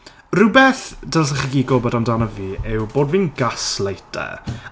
Rhywbeth dylsech chi gyd gwybod amdano fi yw bod fi'n gaslighter.